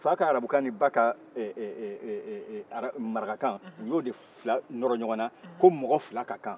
fa ka arabukan ani ba ka marakakan u y'olu fila de nɔrɔ ɲɔgɔnna ko mɔgo fila ka kan